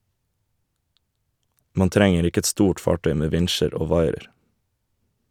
Man trenger ikke et stort fartøy med vinsjer og vairer.